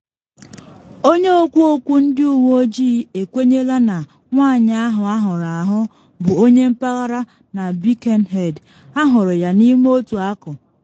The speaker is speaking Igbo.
Onye okwu okwu ndị uwe ojii ekwenyela na nwanyị ahụ ahụrụ ahụ bụ onye mpaghara na Birkenhead, ahụrụ ya n’ime otu akụ.